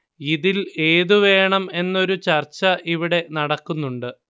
ഇതില്‍ ഏതു വേണം എന്നൊരു ചര്‍ച്ച ഇവിടെ നടക്കുന്നുണ്ട്